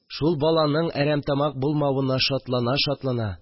Шул баланың әрәмтамак булмавына шатлана-шатлана